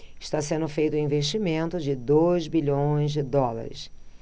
está sendo feito um investimento de dois bilhões de dólares